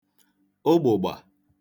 ụgbụ̀gbà